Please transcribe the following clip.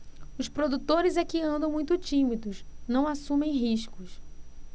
os produtores é que andam muito tímidos não assumem riscos